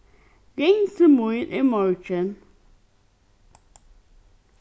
ring til mín í morgin